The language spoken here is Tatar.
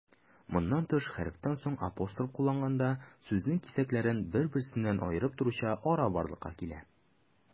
Моннан тыш, хәрефтән соң апостроф кулланганда, сүзнең кисәкләрен бер-берсеннән аерып торучы ара барлыкка килә.